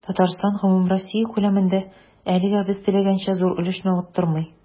Татарстан гомумроссия күләмендә, әлегә без теләгәнчә, зур өлешне алып тормый.